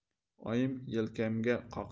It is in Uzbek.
oyim yelkamga qoqdi